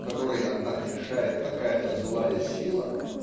которой однако мешает какая-то злая сила